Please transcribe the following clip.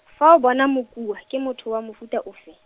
fa o bona Mokua, ke motho wa mofuta o fe?